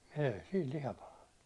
ei siinä liha palanut